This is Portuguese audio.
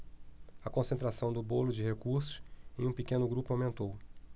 a concentração do bolo de recursos em um pequeno grupo aumentou